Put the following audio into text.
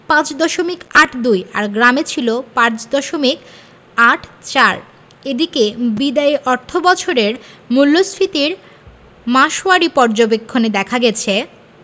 ৫ দশমিক ৮২ আর গ্রামে ছিল ৫ দশমিক ৮৪ শতাংশ এদিকে বিদায়ী অর্থবছরের মূল্যস্ফীতির মাসওয়ারি পর্যবেক্ষণে দেখা গেছে